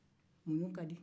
muɲu ka di